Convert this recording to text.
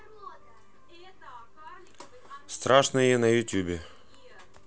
страшные на ютюбе